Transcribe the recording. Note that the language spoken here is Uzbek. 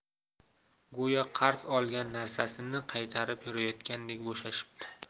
go'yo qarz olgan narsasini qaytarib berayotgandek bo'shashibdi